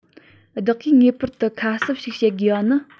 བདག གིས ངེས པར དུ ཁ གསབ ཅིག བྱེད དགོས པ ནི